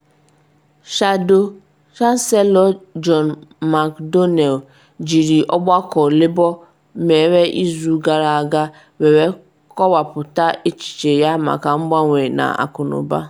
Shadow Chancellor John McDonnell jiri ọgbakọ Labour mere izu gara aga were kọwapụta echiche ya maka mgbanwe na akụnụba.